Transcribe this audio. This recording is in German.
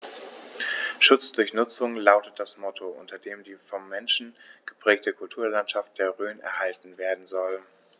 „Schutz durch Nutzung“ lautet das Motto, unter dem die vom Menschen geprägte Kulturlandschaft der Rhön erhalten werden soll.